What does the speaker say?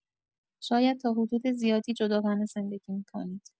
شاید تا حدود زیادی جداگانه زندگی می‌کنید.